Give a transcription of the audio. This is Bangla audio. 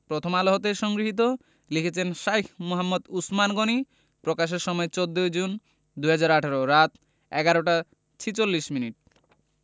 প্রথমআলো হতে সংগৃহীত লিখেছেন শাঈখ মুহাম্মদ উছমান গনী প্রকাশের সময় ১৪ জুন ২০১৮ রাত ১১টা ৪৬ মিনিট